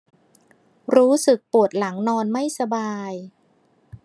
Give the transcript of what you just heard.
รู้สึกปวดหลังนอนไม่สบาย